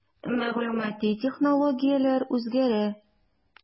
Мәгълүмати технологияләр үзгәрә.